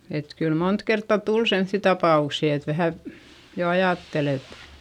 että kyllä monta kertaa tuli semmoisia tapauksia että vähän jo ajatteli että